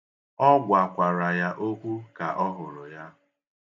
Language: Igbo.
Ọ gwakwara ya okwu ka ọ hụrụ ya.